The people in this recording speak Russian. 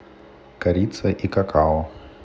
корица и какао